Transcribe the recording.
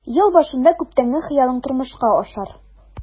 Ел башында күптәнге хыялың тормышка ашар.